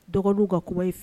Dɔgɔkunw ka kumaba in fɛ